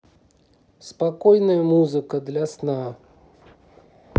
спокойная музыка для сна